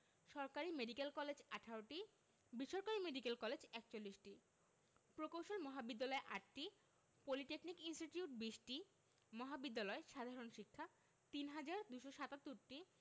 সরকারি medical college ১৮টি বেসরকারি মেডিকেল কলেজ ৪১টি প্রকৌশল মহাবিদ্যালয় ৮টি পলিটেকনিক ইনস্টিটিউট ২০টি মহাবিদ্যালয় সাধারণ শিক্ষা ৩হাজার ২৭৭টি